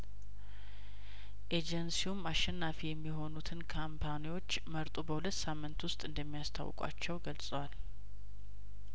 ኤጀንሲውም አሸናፊ የሚሆኑትን ካምፓኒዎች መርጦ በሁለት ሳምንት ውስጥ እንደሚያስታው ቋቸው ገልጿል